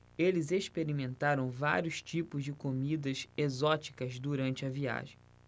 eles experimentaram vários tipos de comidas exóticas durante a viagem